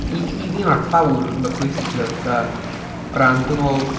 I- i- i fi ma'r clawr yn rywbeth pwysig, ti'n gwbod, fatha, o ran, dwi meddwl